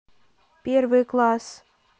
первый класс